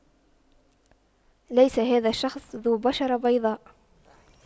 ليس هذا الشخص ذو بشرة بيضاء